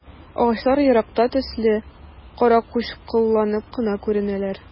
Агачлар еракта төсле каракучкылланып кына күренәләр.